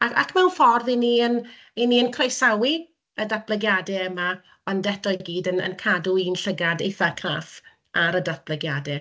a ac mewn ffordd 'y ni yn 'y ni yn croesawu y datblygiadau yma, ond eto i gyd yn yn cadw un llygaid eitha craff ar y datblygiadau,